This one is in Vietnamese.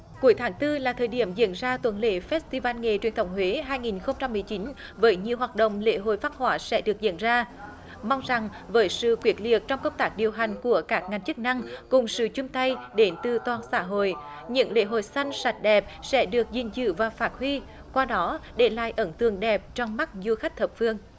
cuối tháng tư là thời điểm diễn ra tuần lễ phét ti van nghề truyền thống huế hai nghìn không trăm mười chín với nhiều hoạt động lễ hội phác họa sẽ được diễn ra mong rằng với sự quyết liệt trong công tác điều hành của các ngành chức năng cùng sự chung tay đến từ toàn xã hội những lễ hội xanh sạch đẹp sẽ được gìn giữ và phát huy qua đó để lại ấn tượng đẹp trong mắt du khách thập phương